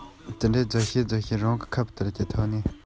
རུབ རུབ བྱེད པ མཐོང བ ན